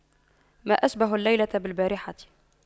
ما أشبه الليلة بالبارحة